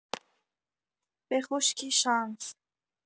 بخشکی شانس